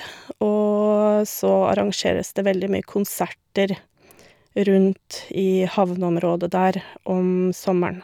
Og så arrangeres det veldig mye konserter rundt i havneområdet der om sommeren.